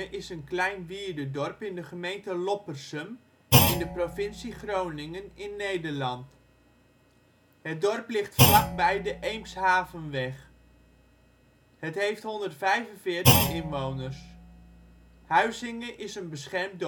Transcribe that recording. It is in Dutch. is een klein wierdedorp in de gemeente Loppersum in de provincie Groningen in Nederland. Het dorp ligt vlak bij de Eemshavenweg. Het heeft 145 inwoners. Huizinge is een beschermd